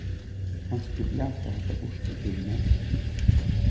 kanst tú blaka hatta burtur fyri meg